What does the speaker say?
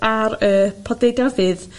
ar y podeudfydd